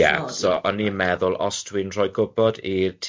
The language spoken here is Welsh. Ie, so o'n i'n meddwl os dwi'n rhoi gwybod i'r tîm